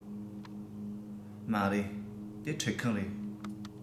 མ རེད དེ ཁྲུད ཁང རེད